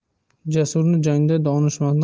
jasurni jangda donishmandni